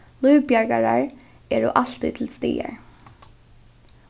lívbjargarar eru altíð til staðar